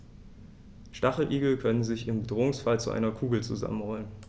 Stacheligel können sich im Bedrohungsfall zu einer Kugel zusammenrollen.